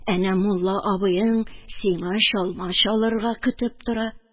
Әнә мулла абыең сиңа чалма чалырга көтеп тора